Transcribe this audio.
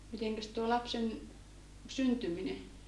mitenkäs tuo lapsen syntyminen